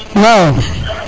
waaw